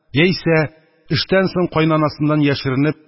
Яисә эштән соң каенанасыннан яшеренеп